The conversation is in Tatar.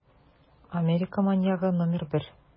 Америка маньягы № 1